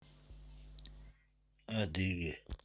адыги